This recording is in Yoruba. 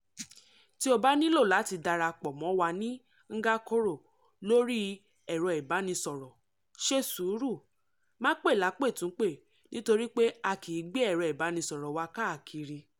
"Tí o bá nílò láti dara pọ̀ mọ́ wa ni Ngakoro lórí ẹ̀rọ ìbánisọ̀rọ̀, ṣe sùúrù, máa pè lápètúnpè nítorí pé a kìí gbé ẹ̀rọ ìbánisọ̀rọ̀ wa káàkiri.